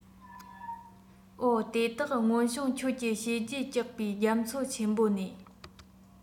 འོ དེ དག སྔོན བྱུང ཁྱོད ཀྱི བྱས རྗེས སྐྱུག པའི རྒྱ མཚོ ཆེན པོ ནས